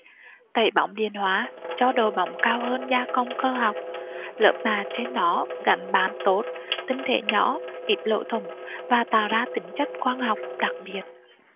tẩy bóng điện hóa cho độ bóng cao hơn gia công cơ học lớp mạ trên nó gắn bám tốt tinh thể nhỏ ít lỗ thủng và tạo ra tính chất quang học đặc biệt